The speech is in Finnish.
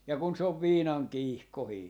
ja kun se on viinan kiihkoinen